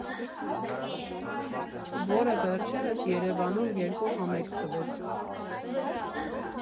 Որը վերջերս Երևանում երկու համերգ տվեց։